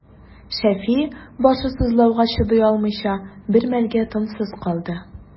Шәфи, башы сызлауга чыдый алмыйча, бер мәлгә тынсыз калды.